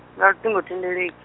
nga luṱingo thendele-.